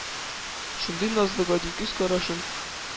Шундый назлы, гади күз карашын